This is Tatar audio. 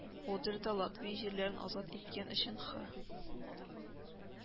Одерда Латвия җирләрен азат иткән өчен Хэ